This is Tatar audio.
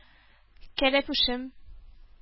Кәләпүшем